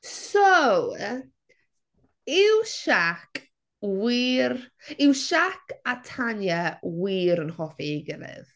So yw Shaq wir... yw Shaq a Tanya wir yn hoffi ei gilydd?